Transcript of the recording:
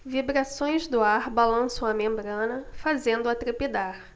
vibrações do ar balançam a membrana fazendo-a trepidar